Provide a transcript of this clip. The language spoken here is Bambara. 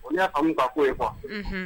Bon n ya famu ka ko ye quoi Unhun